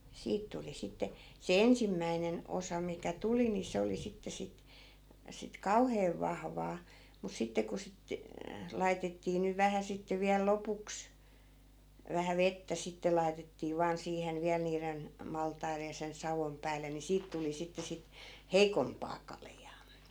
siitä tuli sitten se ensimmäinen osa mikä tuli niin se oli sitten sitten sitten kauhean vahvaa mutta sitten kun sitten laitettiin nyt vähän sitten vielä lopuksi vähän vettä sitten laitettiin vain siihen vielä niiden maltaiden ja sen saon päälle niin siitä tuli sitten sitten heikompaa kaljaa